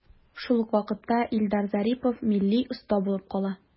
Шул ук вакытта Илдар Зарипов милли оста булып кала.